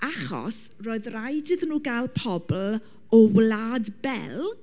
Achos roedd raid iddyn nhw gael pobl o Wlad Belg.